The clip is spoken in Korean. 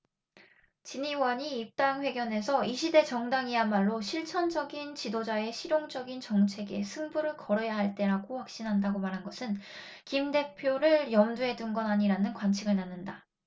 진 의원이 입당 회견에서 이 시대 정당이야말로 실천적인 지도자의 실용적인 정책에 승부를 걸어야 할 때라고 확신한다고 말한 것은 김 대표를 염두에 둔 것 아니냐는 관측을 낳는다